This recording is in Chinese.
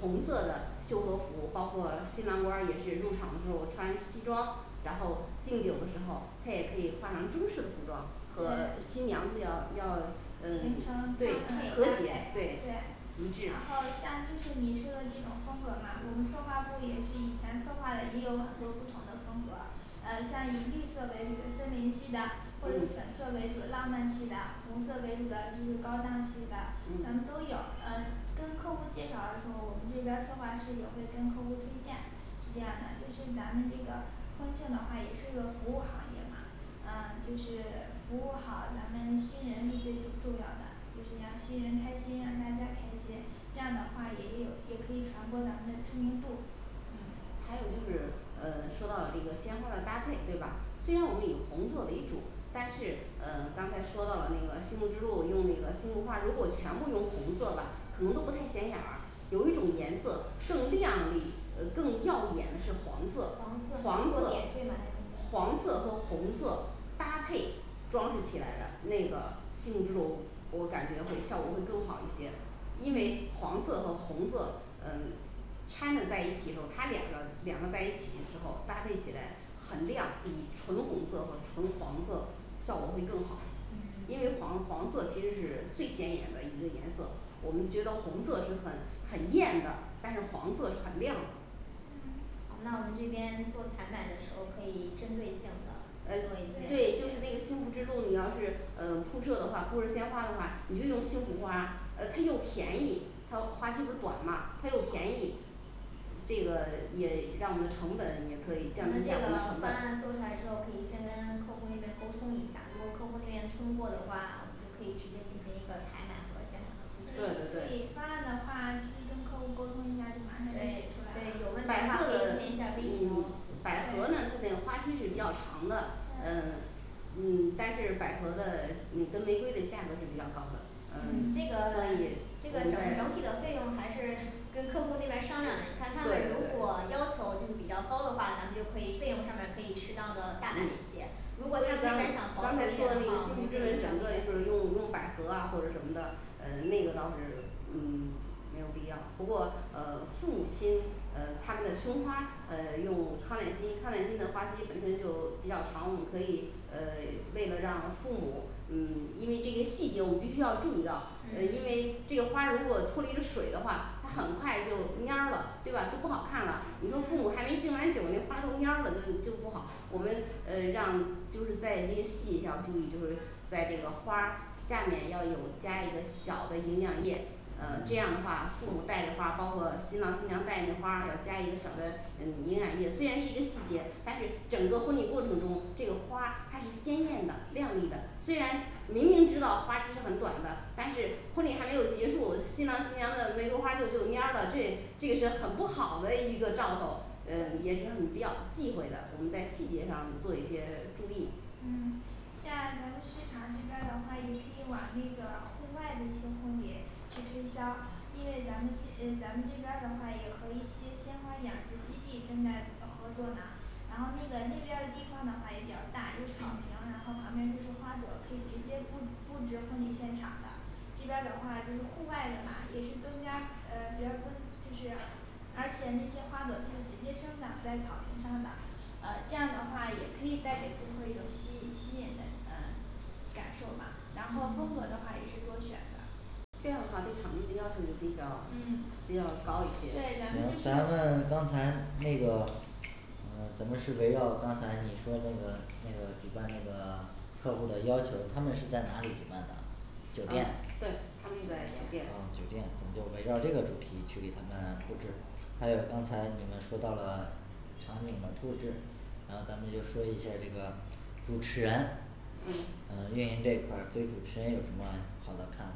红色的秀禾服，包括新郎官儿也是入场的时候穿西装，然后敬酒的时候他也可以换上中式的服装和新娘子要要形成搭嗯对配，对然和后搭谐配对一你致。说的这种风格吧我们策划部也是以前策划的，也有很多不同的风格呃像以绿色为主，森林系的或者嗯粉色为主，浪漫系的红色为主的，就是高档系的，咱们嗯都有呃跟客户介绍的时候我们这边儿策划师也会跟客户推荐是这样的，就是咱们这个婚庆的话也是个服务行业嘛，呃就是服务好咱们新人是最重要的就是让新人开心，让大家开心，这样的话也有也可以传播咱们的知名度嗯还有就是嗯说到这个鲜花的搭配，对吧？虽然我们以红色为主，但是嗯刚才说到了那个幸福之路，用那个幸福花如果全部用红色吧可能都不太显眼儿有一种颜色更亮丽，呃更耀眼的是黄色、黄色点缀嘛那种黄色和红色搭配装饰起来的那个幸福路，我感觉会效果会更好一些因为嗯黄色和红色嗯掺着在一起时候，他两个两个在一起的时候搭配起来很亮，比纯红色和纯黄色效果会更好嗯因为黄黄色其实是最显眼的一个颜色，我们觉得红色是很很艳的但是黄色是很亮那我们这边做采买的时候可以针对性呃的做一。些对就是幸福之路你要是呃铺设的话铺设鲜花的话 你就用幸福花呃它又便宜，它花期不是短嘛它又便宜这个也让我们的成本也可以降那低一这下我们成个方本，案做出来之后可以先跟客户那边沟通一下，如果客户那边通过的话，我们就可以直接进行一个采买和现场可对的布置以可啦以对对方案的话，其实跟客户沟通一下就马上可对以出来对有了，问白色的题的话可以嗯百合呢它的花期是比较长的呃嗯但是百合的嗯跟玫瑰的价格是比较高的，呃嗯这所以个这我个们整整体的在费用还是跟客户那边商量，看他们对对如果对要求就比较高的话，咱们就可以费用上面可以适当地大胆一些嗯。如所果以咱们刚才说的那个幸福之门整个就是用用百合啊或者什么的呃那个倒是嗯c如果没有必要，不过呃父母亲呃他们的胸花呃用康乃馨康乃馨的花期本身就比较长，我们可以呃为了让父母，嗯因为这个细节我们必须要注意到，呃因嗯为这个花如果脱离了水的话它很快就蔫儿了，对吧？就不好看了，你说父母还没敬完酒，那花都蔫儿了就就不好我们呃让就是在这些细节上注意，就是在这个花儿下面要有加一个小的营养液，呃这样的嗯话父母带着花，包括新郎新娘带着花要加一个小的嗯营养液，虽然是一个细节但是整个婚礼过程中这个花它是鲜艳的靓丽的，虽然明明知道花期是很短的，但是婚礼还没有结束，新郎新娘的玫瑰花就就蔫儿了，这这个是很不好的一个兆头，嗯也是很比较忌讳的，我们在细节上做一些注意。嗯像咱们市场这边儿的话，也可以往那个户外的一些婚礼去推销，因为咱们这咱们这边儿的话也和一些鲜花养殖基地正在合作呢，然后那个那边儿的地方的话也比较大有草坪嗯然后旁边就是花朵可以直接布布置婚礼现场的这边儿的话就是户外的嘛也是增加呃比较增就是而且那些花朵就是直接生长在草坪上的，呃这样的话也可以带给顾客一种吸引吸引人呃感受嘛，然后嗯风格的话也是多选的这样的话对场地的要求是比较比较嗯高一些对咱们行就咱是们刚才那个嗯咱们是围绕那个刚才你说的那个那个举办那个客户的要求，他们是在哪里举办呢酒啊店对他们在酒店啊酒店咱就围绕这个主题去给他们布置。还有刚才你们说到了场景的布置，然后咱们就说一下儿这个主持人嗯呃运营这一块儿对主持人有什么好的看法